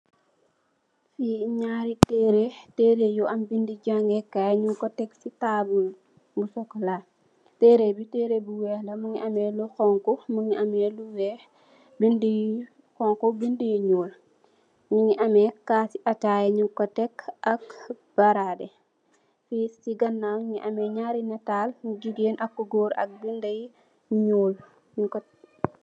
Le nyari terel jange kai. Teere bu wey la mugi ameh bendi you honha bendi yu ñuul. Casi ataya ñu ko tek ak barada.si ganow mu giameh nyrenatal ku gigen ak ku gorr ak bindi yu ñuul.